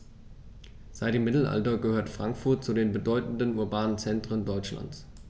Seit dem Mittelalter gehört Frankfurt zu den bedeutenden urbanen Zentren Deutschlands.